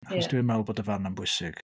Ia... Achos dwi yn meddwl bod y farn 'na'n bwysig.